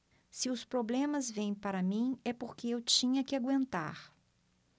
se os problemas vêm para mim é porque eu tinha que aguentar